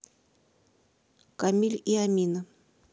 камиль и амина